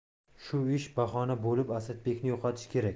shu ish bahona bo'lib asadbekni yo'qotish kerak